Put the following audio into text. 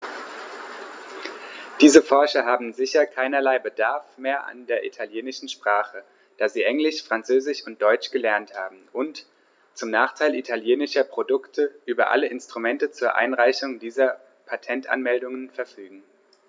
Diese Forscher haben sicher keinerlei Bedarf mehr an der italienischen Sprache, da sie Englisch, Französisch und Deutsch gelernt haben und, zum Nachteil italienischer Produkte, über alle Instrumente zur Einreichung dieser Patentanmeldungen verfügen.